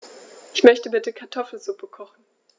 Ich möchte bitte Kartoffelsuppe kochen.